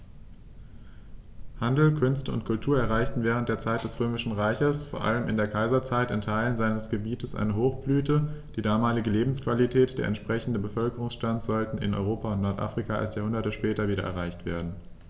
Handel, Künste und Kultur erreichten während der Zeit des Römischen Reiches, vor allem in der Kaiserzeit, in Teilen seines Gebietes eine Hochblüte, die damalige Lebensqualität und der entsprechende Bevölkerungsstand sollten in Europa und Nordafrika erst Jahrhunderte später wieder erreicht werden.